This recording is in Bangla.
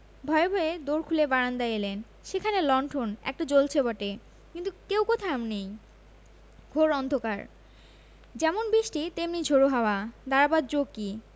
ভয়ে ভয়ে দোর খুলে বারান্দায় এলেন সেখানে লণ্ঠন একটা জ্বলচে বটে কিন্তু কেউ কোথাও নেই ঘোর অন্ধকার যেমন বৃষ্টি তেমনি ঝড়ো হাওয়া দাঁড়াবার জো কি